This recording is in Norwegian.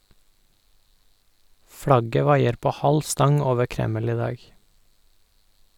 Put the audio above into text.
Flagget vaier på halv stang over Kreml i dag.